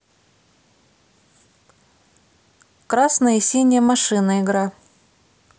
красная и синяя машина игра